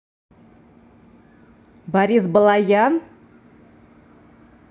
борис балаян